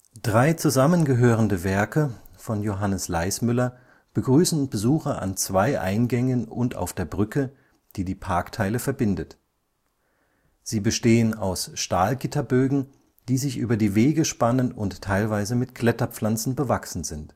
Drei zusammengehörende Werke von Johannes Leismüller begrüßen Besucher an zwei Eingängen und auf der Brücke, die die Parkteile verbindet. Sie bestehen aus Stahlgitterbögen, die sich über die Wege spannen und teilweise mit Kletterpflanzen bewachsen sind